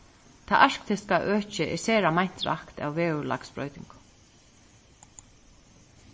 tað arktiska økið er sera meint rakt av veðurlagsbroytingum